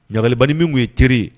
Ɲagaliban min tun ye teri ye